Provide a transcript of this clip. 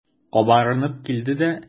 Кабарынып килде дә.